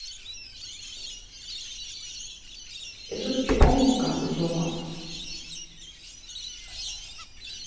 eg síggi ongan í so máta